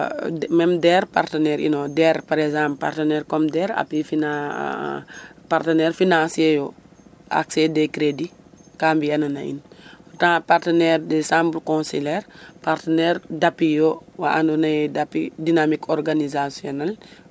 Meme DER partenaire ino DER par exemple partenaire comme DER appuie fina partenaire financier yo accés des crédits ga mbi'anan a in o xotanga partenaire du chambre consulaire partenaire d'appuie yo wa andoona ye d' appuie dynamique organisationel.